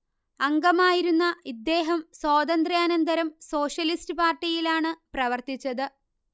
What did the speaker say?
അംഗമായിരുന്ന ഇദ്ദേഹം സ്വാതന്ത്ര്യാനന്തരം സോഷ്യലിസ്റ്റ് പാർട്ടിയിലാണ് പ്രവർത്തിച്ചത്